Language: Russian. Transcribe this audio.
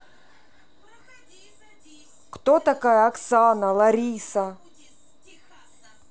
кто такая оксана лариса